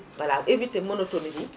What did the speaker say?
voilà éviter monotomie bi